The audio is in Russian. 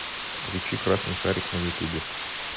включи красный шарик на ютубе